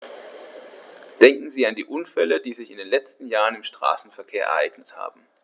Denken Sie an die Unfälle, die sich in den letzten Jahren im Straßenverkehr ereignet haben.